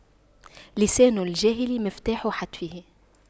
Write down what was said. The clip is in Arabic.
لسان الجاهل مفتاح حتفه